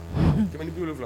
Jamana dufila